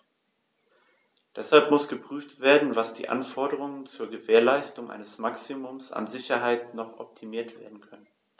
Deshalb muss geprüft werden, wie die Anforderungen zur Gewährleistung eines Maximums an Sicherheit noch optimiert werden können.